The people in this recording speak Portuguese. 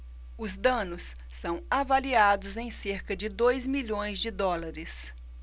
os danos são avaliados em cerca de dois milhões de dólares